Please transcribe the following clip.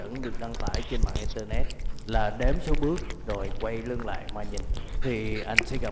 đăng tải trên mạng internet là đếm số bước rồi quay lưng lại mà nhìn thì anh sẽ gặp bóng người